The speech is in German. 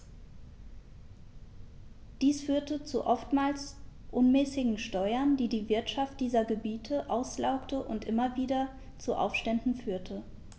Dies führte zu oftmals unmäßigen Steuern, die die Wirtschaft dieser Gebiete auslaugte und immer wieder zu Aufständen führte.